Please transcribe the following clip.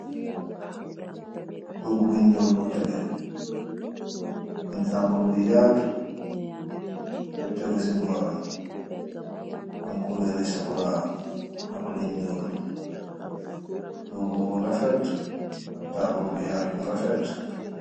Toogu bu nuul bu tegeh aam tabul bu yaatu bu tegeh si boram aam coluri chocola ak lu nuul togu bu refet ak tabul bu yatu bu refet.